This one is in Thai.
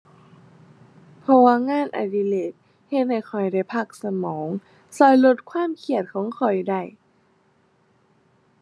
เพราะว่างานอดิเรกเฮ็ดให้ข้อยได้พักสมอง ช่วยลดความเครียดของข้อยได้